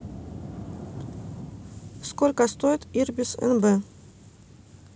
сколько стоит ирбис нб